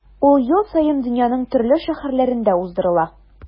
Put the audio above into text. Ул ел саен дөньяның төрле шәһәрләрендә уздырыла.